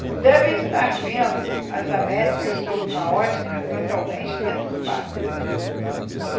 devem estar vendo as américas sob uma ótica totalmente deturpada